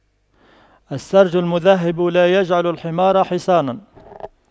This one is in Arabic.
السَّرْج المُذهَّب لا يجعلُ الحمار حصاناً